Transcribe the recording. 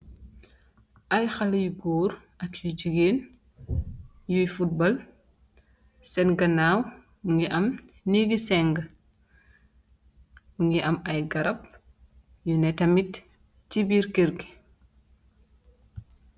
Ay xalèh yu gór ak yu gigeen yu futbol sèèn ganaw mugii am nèk gi seng, mugii am ay garap yu neh yitam ci biir kèr ngi.